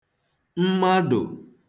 mmadụ̀